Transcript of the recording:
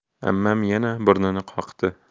ammam yana burnini qoqdi